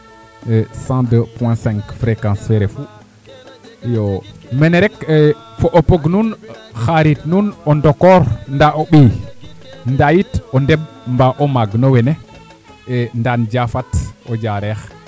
102 point cinq frequence fee refu iyoo mene rek fo'o pog nuun xarit nuun o ndokoor ndaa o ɓiy ndaa yit o ndeɓ mbaa o maag no wene ndaan Diafate o Diarekh